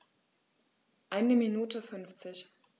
Eine Minute 50